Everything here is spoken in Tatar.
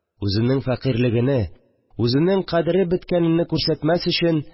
Үзенең фәкыйрьлегене, үзенең кадере беткәнене күрсәтмәс өчен